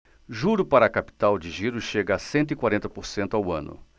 juro para capital de giro chega a cento e quarenta por cento ao ano